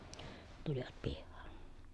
tulivat pihaan